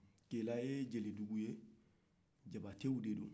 keela ye jeli dugu ye jabatew de do